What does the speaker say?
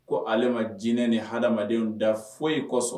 Ko ale ma jinɛinɛ ni hadamadenw da foyi ye kɔsɔn